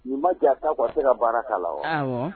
Nin ma diɲ'a ta kɔ a te ka baara k'a la wa aawɔ